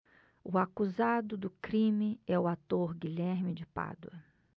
o acusado do crime é o ator guilherme de pádua